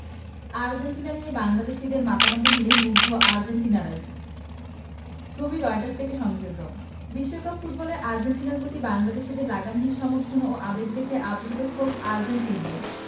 Argentina নিয়ে বাংলাদেশিদের মাতামাতি নিয়ে মুগ্ধ আর্জেন্টাইনরা ছবিটি রয়টার্স হতে সংগৃহীত বিশ্বকাপ ফুটবলে আর্জেন্টিনার প্রতি বাংলাদেশিদের লাগামহীন সমর্থন ও আবেগ দেখে আপ্লুত খোদ আর্জেন্টাইনরাই